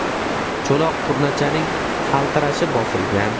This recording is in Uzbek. cho'loq turnachaning qaltirashi bosilgan